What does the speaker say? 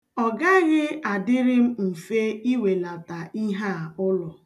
Ọ gaghị adịrị m mfe iwelata ihe a ụlọ.